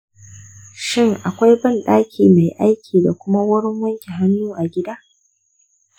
shin akwai banɗaki mai aiki da kuma wurin wanke hannu a gida